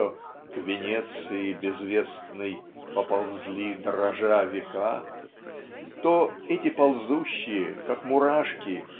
что "к Венеции безвестной поползли дрожа века" то эти ползущие как мурашки